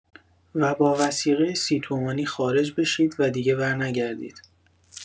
و با وثیقه ۳۰ تومانی خارج بشید و دیگه برنگردید.